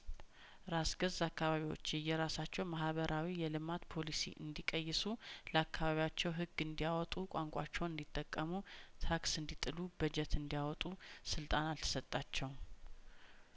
ራስ ገዝ አካባቢዎች የራሳቸው ማህበራዊ የልማት ፖሊሲ እንዲ ቀይሱ ለአካባቢያቸው ህግ እንዲያወጡ ቋንቋቸውን እንዲጠቀሙ ታክስ እንዲጥሉ በጀት እንዲያወጡ ስልጣን አልተሰጣቸውም